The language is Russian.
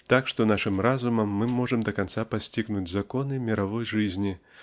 так что нашим разумом мы можем до конца постигнуть законы мировой жизни